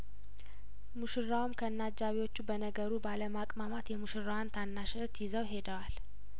ሙሽራውም ከነ አጃቢዎቹ በነገሩ ባለማቅማማት የሙሽራዋን ታናሽ እህት ይዘው ሄደዋል